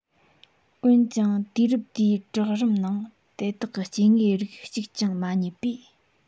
འོན ཀྱང དུས རབས དེའི བྲག རིམ ནང དེ དག གི སྐྱེ དངོས རིགས གཅིག ཀྱང མ རྙེད པས